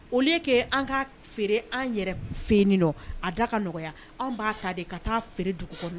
O' an ka feere an yɛrɛ fɛ a da ka nɔgɔya an b'a ta de ka taa feere dugu kɔnɔ